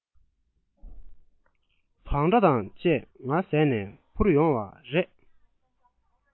བང སྒྲ དང བཅས ང གཟས ནས འཕུར ཡོང བ རེད